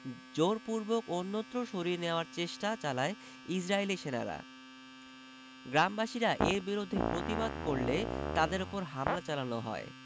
জোরপূর্বক অন্যত্র সরিয়ে নেয়ার চেষ্টা চালায় ইসরাইলি সেনারা গ্রামবাসীরা এর বিরুদ্ধে প্রতিবাদ করলে তাদের ওপর হামলা চালানো হয়